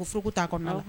U ko furu' a kɔnɔ